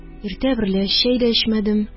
Иртә берлә чәй дә эчмәдем.